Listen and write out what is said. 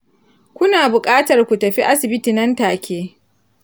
ku na buƙatar ku tafi asibiti nan-take